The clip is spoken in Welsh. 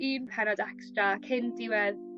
un penod extra cyn diwedd